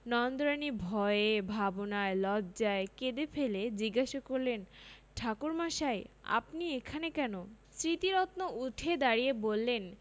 নন্দরানী ভয়ে ভাবনায় লজ্জায় কেঁদে ফেলে জিজ্ঞাসা করলেন ঠাকুরমশাই আপনি এখানে কেন স্মৃতিরত্ন উঠে দাঁড়িয়ে বললেন